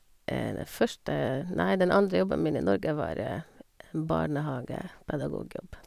det første nei Den andre jobben min i Norge var en barnehagepedagogjobb.